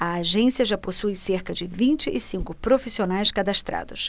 a agência já possui cerca de vinte e cinco profissionais cadastrados